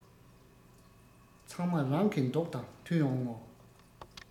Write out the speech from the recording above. ཚང མ རང གི མདོག དང མཐུན ཡོང ངོ